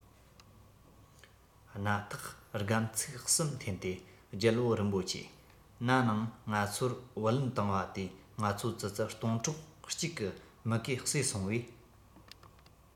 སྣ ཐག སྒམ ཚིག གསུམ འཐེན ཏེ རྒྱལ པོ རིན པོ ཆེ ན ནིང ང ཚོར བུ ལོན བཏང བ དེས ང ཚོ ཙི ཙི སྟོང ཕྲག གཅིག གི མུ གེ གསོས སོང བས